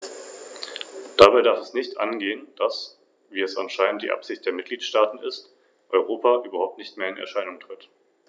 Tatsächlich ist das derzeitige Verfahren nur der letzte Abschnitt einer langen Geschichte der Annahme eines EU-Patents, die bis 1990 zurückreicht und nur von zwölf Mitgliedstaaten gefordert wurde.